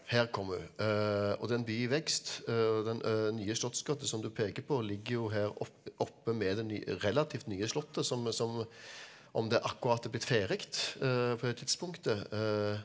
her kommer hun og det er en by i vekst og den Nye slottsgate som du peker på ligger jo her oppe med det nye relativt nye slottet som som om det akkurat har blitt ferdig på det tidspunktet .